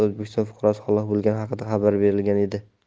o'zbekiston fuqarosi halok bo'lgani haqida xabar berilgan edi